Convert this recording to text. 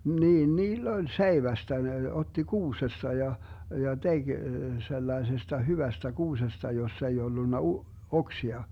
niin niillä oli seivästä ne otti kuusesta ja ja teki sellaisesta hyvästä kuusesta jossa ei ollut - oksia